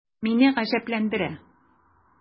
Мине гаҗәпләндерә: